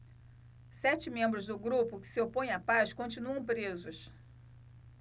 sete membros do grupo que se opõe à paz continuam presos